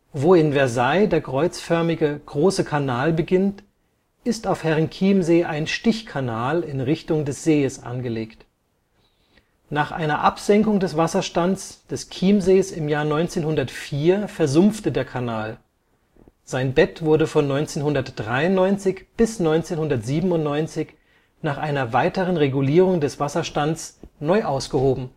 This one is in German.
Wo in Versailles der kreuzförmige Große Kanal beginnt, ist auf Herrenchiemsee ein Stichkanal in Richtung des Sees angelegt. Nach einer Absenkung des Wasserstands des Chiemsees im Jahr 1904 versumpfte der Kanal, sein Bett wurde von 1993 bis 1997 nach einer weiteren Regulierung des Wasserstands neu ausgehoben